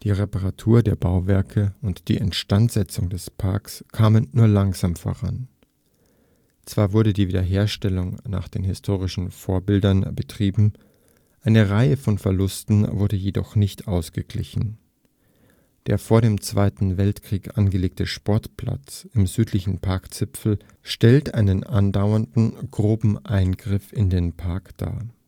Reparatur der Bauwerke und die Instandsetzung des Gartens kamen nur langsam voran. Zwar wurde die Wiederherstellung nach den historischen Vorbildern betrieben, eine Reihe von Verlusten wurde jedoch nicht ausgeglichen. Der vor dem Zweiten Weltkrieg angelegte Sportplatz im südlichen Parkzipfel stellt einen andauernden, groben Eingriff in den Park dar